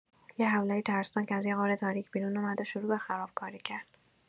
یه هیولای ترسناک از یه غار تاریک بیرون اومد و شروع به خرابکاری کرد.